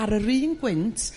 ar yr un gwynt